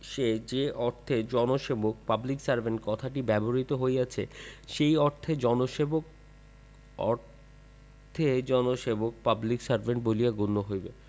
এ যে অর্থে জনসেবক পাবলিক সার্ভেন্ট কথাটি ব্যবহৃত হইয়াছে সেই অর্থে জনসেবক অর্থে জনসেবক পাবলিক সার্ভেন্ট বলিয়া গণ্য হইবেন